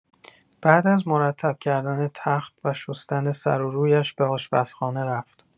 بعد از مرتب کردن تخت و شستن سر و رویش به آشپزخانه رفت.